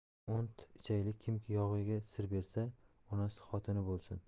ont ichaylik kimki yog'iyga sir bersa onasi xotini bo'lsin